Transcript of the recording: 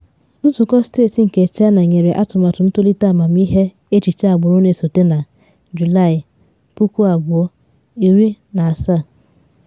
Nzụkọ Steeti nke China nyere Atụmatụ Ntolite Amamịghe Echiche Agbụrụ Na Esote na Julaị 2017.